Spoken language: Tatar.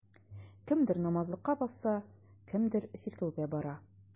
Кемдер намазлыкка басса, кемдер чиркәүгә бара.